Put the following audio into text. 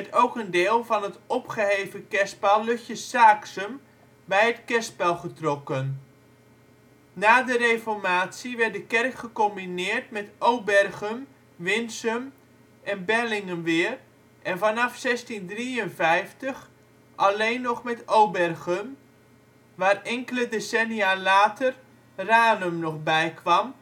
1468 werd ook een deel van het opgeheven kerspel Lutje Saaksum bij het kerspel getrokken. Na de reformatie werd de kerk gecombineerd met Obergum, Winsum en Bellingeweer en vanaf 1653 alleen nog met Obergum, waar enkele decennia later Ranum nog bij kwam